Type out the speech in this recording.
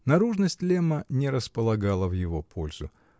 Наружность Лемма не располагала в его пользу.